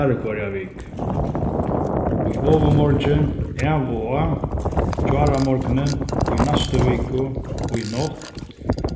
aðru hvørja viku í ovurmorgin av og á gjáramorgunin í næstu viku í nátt